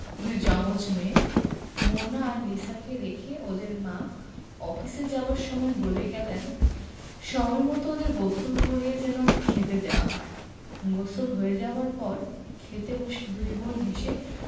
দুই জমজ মেয়ে মোনা আর লিসাকে রেখে ওদের মা অফিসে যাবার সময় বলে গেলেন সময়মত ওদের গোসল করিয়ে যেন খেতে দেওয়া হয় গোসল হয়ে যাবার পর খেতে বসে দুই বোন হেসে